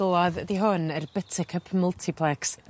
glywadd ydi hwn yr buttercup multiplex